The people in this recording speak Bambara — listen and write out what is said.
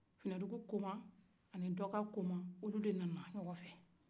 finadugukoma o ni dɔkakoma olu de nana ɲɔgɔn fɛ